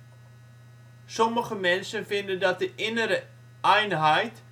Sommige mensen vinden dat de innere Einheit